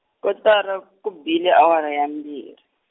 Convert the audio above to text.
kotara ku bile awara ya mbirhi.